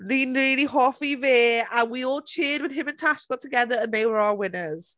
Ni'n rili hoffi fe. And we all cheered when him and Tash got together and they were our winners.